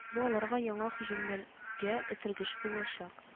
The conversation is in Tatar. Бу аларга яңа һөҗүмнәргә этәргеч булачак